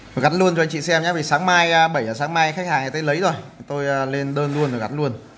gắn luôn cho anh chị xem nhé vì sáng mai khách hàng họ lấy rồi tôi lên đơn luôn và gắn luôn